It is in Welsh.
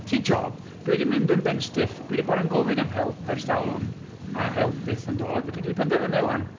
Ti jób, dwi 'di mynd yn benstiff. Dwi 'di bod yn gofyn am help ers talwm a help byth yn dod, felly dwi 'di penderfynu 'wan.